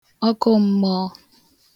ọkụmmọọ